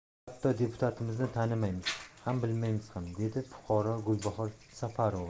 hatto deputatimizni tanimaymiz ham bilmaymiz ham dedi fuqaro gulbahor safarova